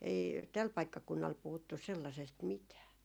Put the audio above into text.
ei tällä paikkakunnalla puhuttu sellaisesta mitään